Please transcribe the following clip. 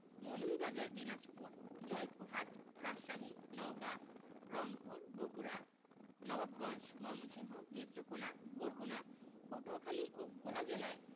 মৌলভীবাজার দিনাজপুর জয়পুরহাট রাজশাহী নওগাঁ রংপুর বগুড়া নবাবগঞ্জ ময়মনসিংহ নেত্রকোনা বরগুনা পটুয়াখালী ও ভোলা জেলায়